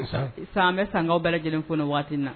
Sisan an bɛ Sankaw bɛɛ lajɛlen fo nin wagati na